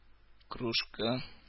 Кружка